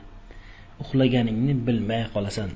uxlaganingni bilmay qolasan